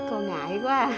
cô ngại quá à